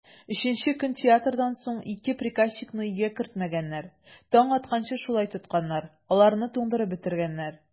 Өченче көн театрдан соң ике приказчикны өйгә кертмәгәннәр, таң атканчы шулай тотканнар, аларны туңдырып бетергәннәр.